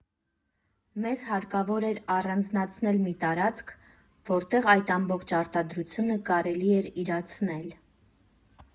Մեզ հարկավոր էր առանձնացնել մի տարածք, որտեղ այդ ամբողջ արտադրանքը կարելի էր իրացնել։